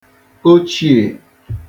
ochìè